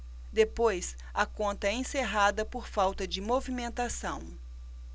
depois a conta é encerrada por falta de movimentação